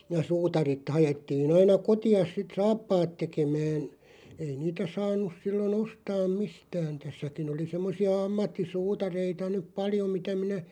ja suutarit haettiin aina kotiin sitten saappaat tekemään ei niitä saanut silloin ostaa mistään tässäkin oli semmoisia ammattisuutareita nyt paljon mitä minä